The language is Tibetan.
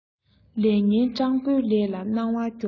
ལས ངན སྤྲང པོའི ལས ལ སྣང བ སྐྱོ